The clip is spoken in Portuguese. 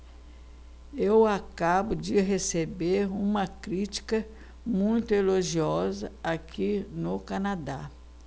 eu acabo de receber uma crítica muito elogiosa aqui no canadá